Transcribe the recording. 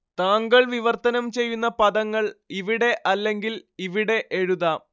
താങ്കൾ വിവർത്തനം ചെയ്യുന്ന പദങ്ങൾ ഇവിടെ അല്ലെങ്കിൽ ഇവിടെ എഴുതാം